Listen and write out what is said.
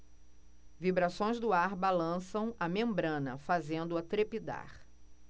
vibrações do ar balançam a membrana fazendo-a trepidar